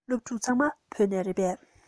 སློབ ཕྲུག ཚང མ བོད ལྗོངས ནས རེད པས